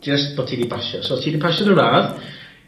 Jys bo' ti 'di basio so ti 'di pasio dy radd